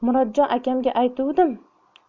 murodjon akamga aytuvdim